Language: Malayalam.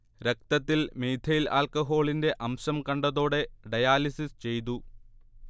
രക്തത്തിൽ മീഥൈൽ ആൽക്കഹോളിന്റെ അംശം കണ്ടതോടെ ഡയാലിസിസ് ചെയ്തു